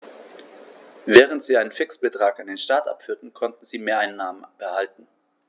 Während sie einen Fixbetrag an den Staat abführten, konnten sie Mehreinnahmen behalten.